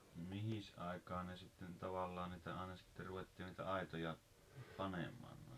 mihinkäs aikaan ne sitten tavallaan niitä aina sitten ruvettiin niitä aitoja panemaan noin